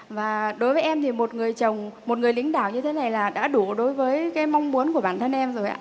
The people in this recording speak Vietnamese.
và đối với em thì một người chồng một người lính đảo như thế này là đã đủ đối với cái mong muốn của bản thân em rồi ạ